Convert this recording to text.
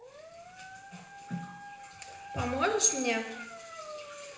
поможешь мне